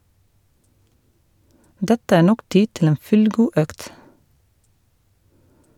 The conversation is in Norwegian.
Dette er nok tid til en fullgod økt.